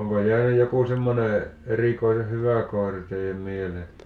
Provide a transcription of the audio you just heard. onko jäänyt joku semmoinen erikoisen hyvä koira teidän mieleen